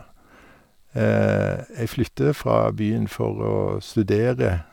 Jeg flytta fra byen for å studere.